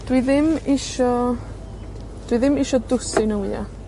dwi ddim isho, dwi ddim isho dwsin o wya.